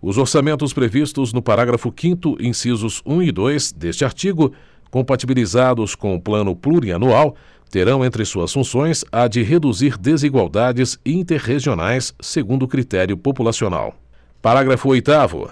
os orçamentos previstos no parágrafo quinto incisos um e dois deste artigo compatibilizados com o plano plurianual terão entre suas funções a de reduzir desigualdades inter regionais segundo critério populacional parágrafo oitavo